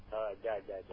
waaw Dia Dia Dia